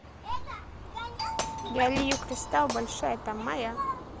я лью кристал большая там моя